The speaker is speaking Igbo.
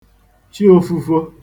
chi ōfūfō